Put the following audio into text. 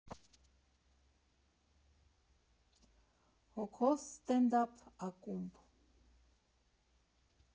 Հոգով ստենդափ ակումբ։